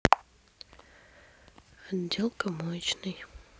отделка моечной